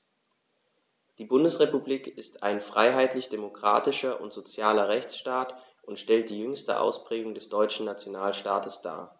Die Bundesrepublik ist ein freiheitlich-demokratischer und sozialer Rechtsstaat und stellt die jüngste Ausprägung des deutschen Nationalstaates dar.